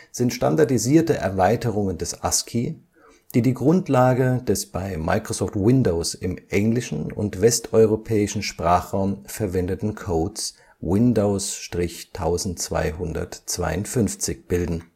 sind standardisierte Erweiterungen des ASCII, die die Grundlage des bei Microsoft Windows im englischen und westeuropäischen Sprachraum verwendeten Codes Windows-1252 bilden